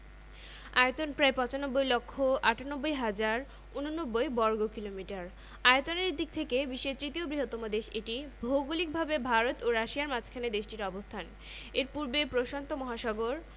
আয়তন প্রায় ৯৫ লক্ষ ৯৮ হাজার ৮৯ বর্গকিলোমিটার আয়তনের দিক থেকে বিশ্বের তৃতীয় বৃহত্তম দেশ এটি ভৌগলিকভাবে ভারত ও রাশিয়ার মাঝখানে দেশটির অবস্থান এর পূর্বে প্রশান্ত মহাসাগর